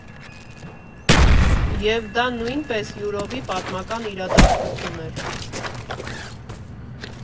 Եվ դա նույնպես յուրովի պատմական իրադարձություն էր։